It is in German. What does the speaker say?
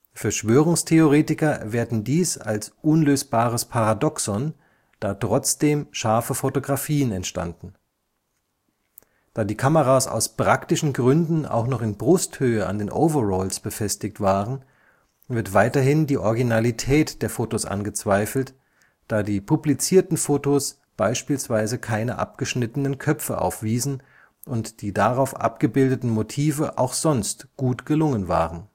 Verschwörungstheoretiker werten dies als unlösbares Paradoxon, da trotzdem scharfe Fotografien entstanden. Da die Kameras aus praktischen Gründen auch noch in Brusthöhe an den Overalls befestigt waren, wird weiterhin die Originalität der Fotos angezweifelt, da die publizierten Fotos beispielsweise keine abgeschnittenen Köpfe aufwiesen und die darauf abgebildeten Motive auch sonst gut gelungen waren